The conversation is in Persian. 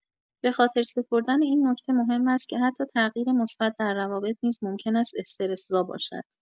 به‌خاطر سپردن این نکته مهم است که حتی تغییر مثبت در روابط نیز ممکن است استرس‌زا باشد.